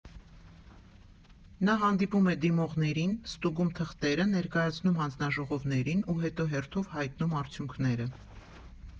Նա հանդիպում է դիմողներին, ստուգում թղթերը, ներկայացնում հանձնաժողովներին ու հետո հերթով հայտնում արդյունքները։